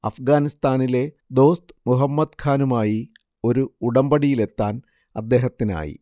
അഫ്ഗാനിസ്താനിലെ ദോസ്ത് മുഹമ്മദ് ഖാനുമായി ഒരു ഉടമ്പടിയിലെത്താൻ അദ്ദേഹത്തിനായി